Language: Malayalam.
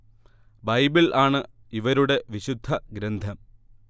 ബൈബിൾ ആണ് ഇവരുടെ വിശുദ്ധ ഗ്രന്ഥം